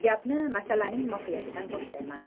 gapni masalaning mohiyatidan boshlayman